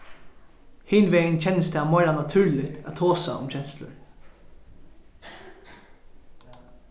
hinvegin kennist tað meira natúrligt at tosa um kenslur